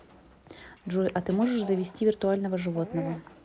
джой а ты можешь завести виртуального животного